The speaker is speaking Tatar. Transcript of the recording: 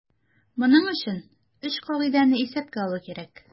Моның өчен өч кагыйдәне исәпкә алу кирәк.